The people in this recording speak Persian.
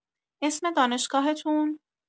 اسم دانشگاهتون؟